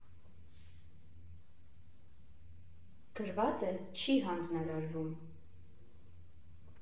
Գրված է՝ չի հանձնարարվում։